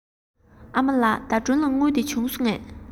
ཨ མ ལགས ཟླ སྒྲོན ལ དངུལ དེ བྱུང སོང ངས